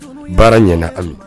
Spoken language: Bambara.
Baara ɲɛna a